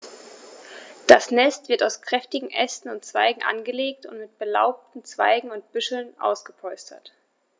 Das Nest wird aus kräftigen Ästen und Zweigen angelegt und mit belaubten Zweigen und Büscheln ausgepolstert.